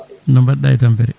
no mbaɗɗa e tampere